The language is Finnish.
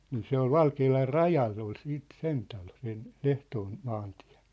niin se oli Valkealan rajalla oli sitten sen talo sen Lehtoon maantie